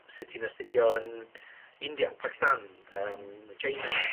sut ti'n astudio yn India Pacistan... Hmm. ... yym China 'lly.